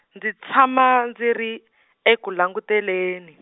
ndzi tshama ndzi ri , eku languteleni.